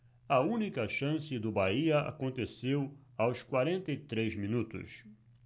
a única chance do bahia aconteceu aos quarenta e três minutos